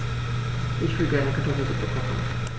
Ich will gerne Kartoffelsuppe kochen.